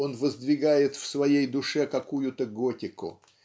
он воздвигает в своей душе какую-то готику.